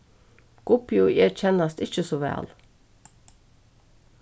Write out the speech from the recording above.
gubbi og eg kennast ikki so væl